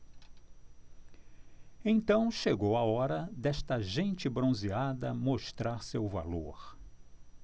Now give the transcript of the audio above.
então chegou a hora desta gente bronzeada mostrar seu valor